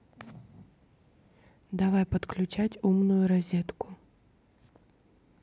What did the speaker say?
давай подключать умную розетку